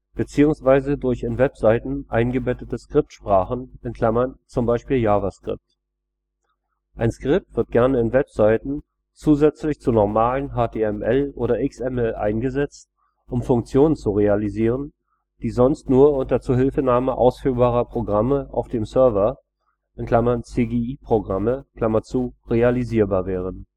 bzw. durch in Webseiten eingebettete Skriptsprachen (zum Beispiel JavaScript). Ein Skript wird gerne in Webseiten zusätzlich zu normalem HTML oder XML eingesetzt, um Funktionen zu realisieren, die sonst nur unter Zuhilfenahme ausführbarer Programme auf dem Server (CGI-Programme) realisierbar wären